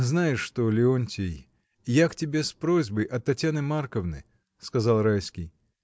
— Знаешь что, Леонтий, я к тебе с просьбой от Татьяны Марковны, — сказал Райский.